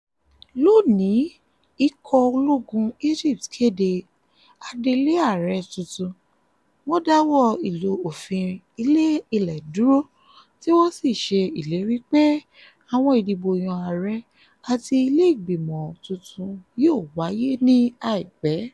Lónìí, ikọ̀ ológun Egypt kéde adele ààrẹ tuntun, wọ́n dáwọ́ ìlò òfin ilẹ̀ dúró tí wọ́n sì ṣe ìlérí pé àwọn ìdìbòyàn ààrẹ àti ilé-ìgbìmọ̀ tuntun yóò wáyé ní àìpẹ́.